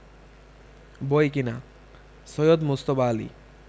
বইকেনা Syed Mujtaba Ali